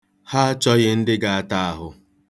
Ha achọghi ndị ga-ata ahụ.